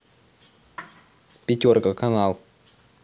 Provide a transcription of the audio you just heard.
пятерка канал